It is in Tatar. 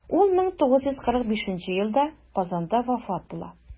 Ул 1945 елда Казанда вафат була.